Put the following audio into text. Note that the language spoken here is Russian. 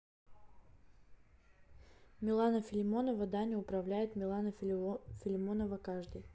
милана филимонова даня управляет милана филимонова каждый